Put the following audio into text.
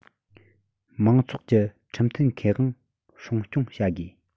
མང ཚོགས ཀྱི ཁྲིམས མཐུན ཁེ དབང སྲུང སྐྱོང བྱ དགོས